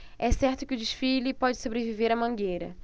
é certo que o desfile pode sobreviver à mangueira